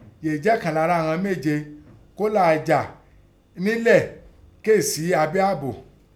Yèé jẹ́ ìkàn lára inọn méje kọ́ là á já nẹ́ ẹlẹ̀ kéè sí lábẹ́ àbò.